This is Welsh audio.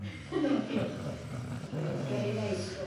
Do diolch boi. Very neis .